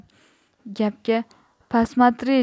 gapga pasmatri